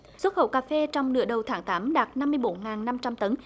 xuất khẩu cà phê trong nửa đầu tháng tám đạt năm mươi bốn ngàn năm trăm tấn